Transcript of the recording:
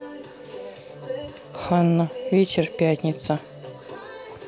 ханна вечер пятница